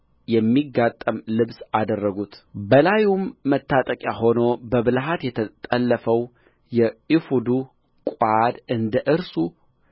የሚጋጠም ልብስ አደረጉት በላዩም መታጠቂያ ሆኖ በብልሃት የተጠለፈው የኤፉዱ ቋድ እንደ እርሱ